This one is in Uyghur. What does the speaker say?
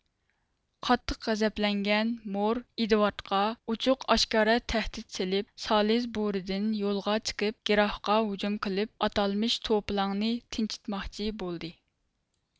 قاتتىق غەزەپلەنگەن مور ئېدۋاردقا ئوچۇق ئاشكارا تەھدىت سېلىپ سالىزبۇرىدىن يولغا چىقىپ گرافقا ھۇجۇم قىلىپ ئاتالمىش توپىلاڭ نى تىنچىتماقچى بولدى